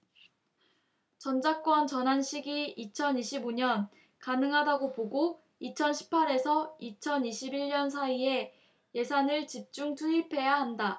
전작권 전환 시기 이천 이십 오 년 가능하다고 보고 이천 십 팔 에서 이천 이십 일 년 사이에 예산을 집중 투입해야 한다